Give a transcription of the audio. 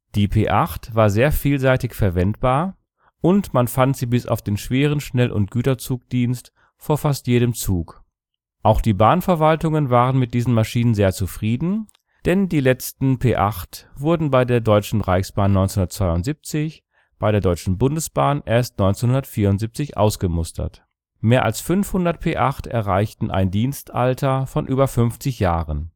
Die P 8 war sehr vielseitig verwendbar, und man fand sie bis auf den schweren Schnellzug - und Güterzugdienst vor fast jedem Zug. Auch die Bahnverwaltungen waren mit diesen Maschinen sehr zufrieden, denn die letzten P 8 wurden bei der Deutschen Reichsbahn 1972, bei der Deutschen Bundesbahn erst 1974 ausgemustert. Mehr als 500 P 8 erreichten ein Dienstalter von über 50 Jahren